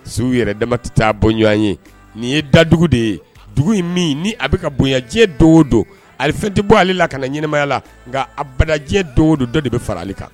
S yɛrɛ dama tɛ taa bɔɲɔgɔn ye nin ye dadugu de ye dugu in min ni a bɛ ka bonyajɛ don do don ali tɛ bɔ ale la ka na ɲmaya la nka a balimajɛ do don dɔ de bɛ fara ale kan